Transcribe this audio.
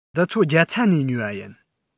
འདི ཚོ རྒྱ ཚ ནས ཉོས པ ཡིན